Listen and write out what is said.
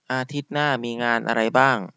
อาทิตย์หน้ามีงานอะไรบ้าง